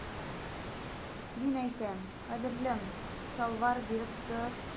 Мин әйтәм, кадерлем, чалбар биреп тор.